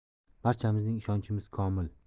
barchamizning ishonchimiz komil